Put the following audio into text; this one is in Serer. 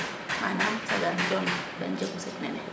manaam Sagar Dione ten jegu sit nene